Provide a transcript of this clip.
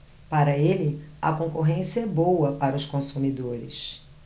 para ele a concorrência é boa para os consumidores